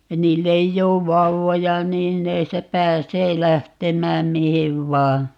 niillä ei ole vauvoja niin ne sitä pääsee lähtemään mihin vain